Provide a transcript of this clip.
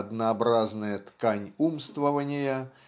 однообразная ткань умствования